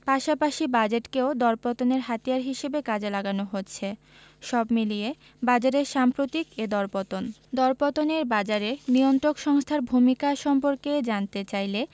পাশাপাশি বাজেটকেও দরপতনের হাতিয়ার হিসেবে কাজে লাগানো হচ্ছে সব মিলিয়ে বাজারের সাম্প্রতিক এ দরপতন দরপতনের বাজারে নিয়ন্ত্রক সংস্থার ভূমিকা সম্পর্কে জানতে চাইলে